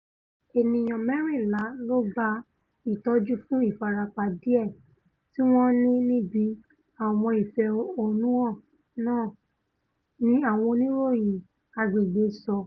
Ènìyàn mẹ́rìńlá́ ló gba ìtọ́jú fún ìfarapa díẹ̀ tí wọ́n ní níbí àwọn ìfẹ̀hónúhàn náà, ni àwọn oníròyìn agbègbè sọ.